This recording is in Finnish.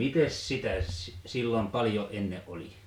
mitenkäs sitä silloin paljon ennen oli